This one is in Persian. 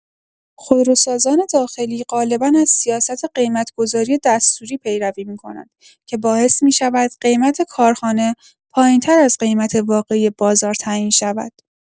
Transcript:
خودروسازان داخلی غالبا از سیاست قیمت‌گذاری دستوری پیروی می‌کنند که باعث می‌شود قیمت کارخانه پایین‌تر از قیمت واقعی بازار تعیین شود.